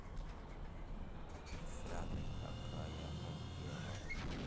вся такая в белом